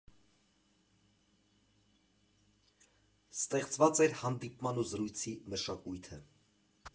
Ստեղծված էր հանդիպման ու զրույցի մշակույթը։